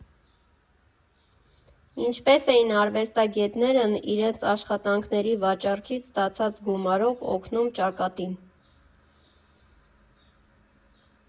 Ինչպես էին արվեստագետներն իրենց աշխատանքների վաճառքից ստացած գումարով օգնում ճակատին։